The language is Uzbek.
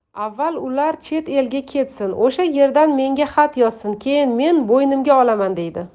avval ular chet elga ketsin o'sha yerdan menga xat yozsin keyin men bo'ynimga olaman deydi